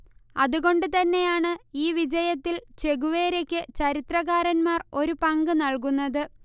അതുകൊണ്ടുതന്നെയാണ് ഈ വിജയത്തിൽ ചെഗുവേരയ്ക്ക് ചരിത്രകാരന്മാർ ഒരു പങ്ക് നല്കുന്നത്